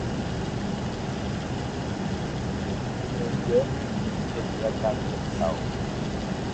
เดินเยอะจนมีอาการเจ็บเข่า